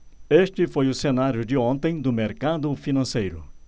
este foi o cenário de ontem do mercado financeiro